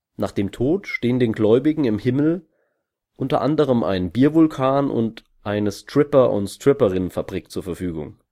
Nach dem Tod stehen den Gläubigen im „ Himmel “unter anderem ein Biervulkan und eine Stripper - und Stripperinnen-Fabrik zur Verfügung